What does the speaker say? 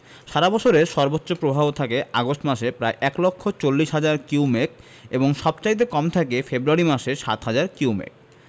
সারা বৎসরের সর্বোচ্চ প্রবাহ থাকে আগস্ট মাসে প্রায় এক লক্ষ চল্লিশ হাজার কিউমেক এবং সবচাইতে কম থাকে ফেব্রুয়ারি মাসে ৭হাজার কিউমেক